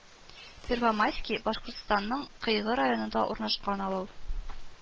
Первомайский Башкортстанның Кыйгы районында урнашкан авыл